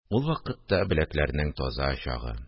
Ул вакытта беләкләрнең таза чагы